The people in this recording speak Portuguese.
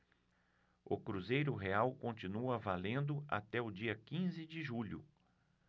o cruzeiro real continua valendo até o dia quinze de julho